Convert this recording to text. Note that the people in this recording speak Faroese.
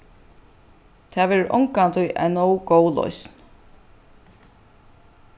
tað verður ongantíð ein nóg góð loysn